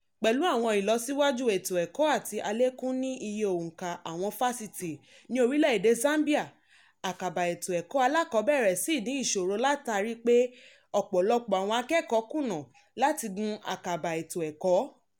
Pẹ̀lú àwọn ìlọsíwájú ètò ẹ̀kọ́ àti àlékún ní iye òǹkà àwọn fáṣítì ní orílẹ̀ èdè Zambia, àkàbà ètò ẹ̀kọ́ alákọ̀ọ́bẹ̀rẹ̀ sì ní ìṣòro látàrí pé ọ̀pọ̀lọpọ̀ àwọn akẹ́kọ̀ọ́ kùnà láti gùn àkàbà ètò ẹ̀kọ́.